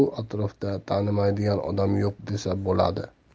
bu atrofda tanimaydigan odam yo'q desa bo'ladi